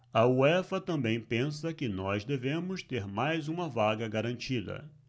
a uefa também pensa que nós devemos ter mais uma vaga garantida